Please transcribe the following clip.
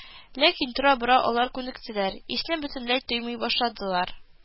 Ләкин тора-бара алар күнектеләр, исне бөтенләй тоймый башладылар